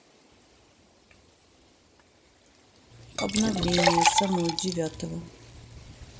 обновление само девятого